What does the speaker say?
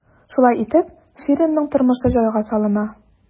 Шулай итеп, Ширинның тормышы җайга салына.